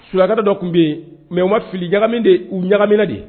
Suka dɔ tun bɛ yen mɛma filijami de u ɲagamina de